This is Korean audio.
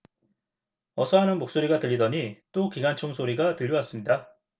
어서 하는 목소리가 들리더니 또 기관총 소리가 들려왔습니다